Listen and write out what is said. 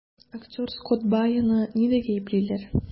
Актер Скотт Байоны нидә гаеплиләр?